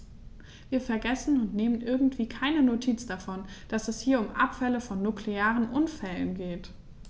Wir vergessen, und nehmen irgendwie keine Notiz davon, dass es hier um Abfälle von nuklearen Unfällen geht.